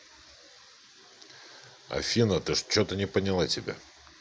афина ты че то не поняла тебя